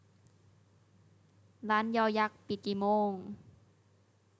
ร้านยยักษ์ปิดกี่โมง